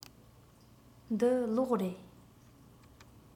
འདི གློག རེད